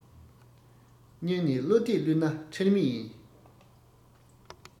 སྙིང ནས བློ གཏད བསླུས ན ཁྲེལ མེད ཡིན